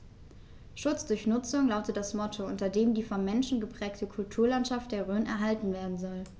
„Schutz durch Nutzung“ lautet das Motto, unter dem die vom Menschen geprägte Kulturlandschaft der Rhön erhalten werden soll.